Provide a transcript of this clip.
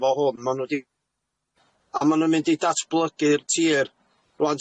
efo hwn ma' n'w 'di a ma' n'w'n mynd i datblygu'r tir rŵan